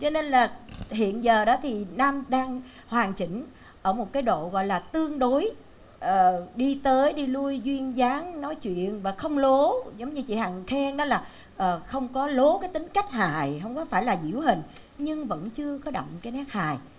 cho nên là hiện giờ đó thì nam đang hoàn chỉnh ở một cái độ gọi là tương đối ờ đi tới đi lui duyên dáng nói chuyện và không lố giống như chị hằng khen đó là ờ không có lố cái tính cách hài không có phải là nhiễu hình nhưng vẫn chưa có đậm cái nét hài